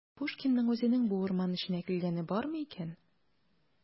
Пушкинның үзенең бу урман эченә килгәне бармы икән?